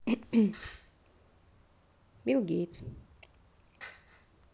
билл гейтс